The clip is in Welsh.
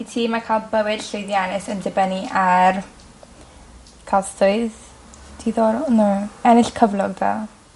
I ti ma' ca'l bywyd llwyddiannus yn dibynnu ar ca'l swydd diddorol na ennill cyflog da.